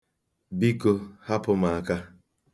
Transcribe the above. Biko, hapụ m aka.